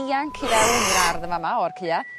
dianc i fewn i'r ardd yn fa' 'ma o'r cia